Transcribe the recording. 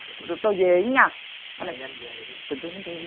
tao tao về đó nha mày nhanh về đi tình thương mến thương